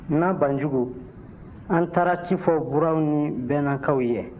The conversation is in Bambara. na banjugu an taara ci fɔ buranw ni bɛɛnnakaw ye